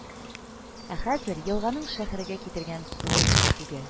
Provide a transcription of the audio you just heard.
Ә хәзер елганың шәһәргә китергән суы күп түге